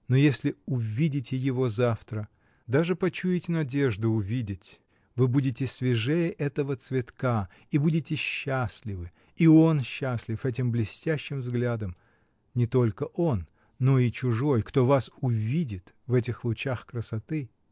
Но если увидите его завтра, даже почуете надежду увидеть, вы будете свежее этого цветка, и будете счастливы, и он счастлив этим блестящим взглядом — не только он, но и чужой, кто вас увидит в этих лучах красоты.